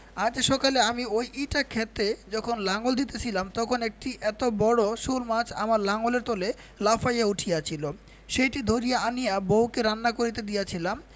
আজ সকালে আমি ঐ ইটা ক্ষেতে যখন লাঙল দিতেছিলাম তখন একটি এত বড় শোলমাছ আমার লাঙলের তলে লাফাইয়া উঠিয়াছিল সেইটি ধরিয়া আনিয়া বউকে রান্না করিতে দিয়াছিলাম